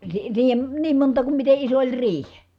- siihen niin monta kuin miten iso oli riihi